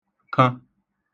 k̇ə̣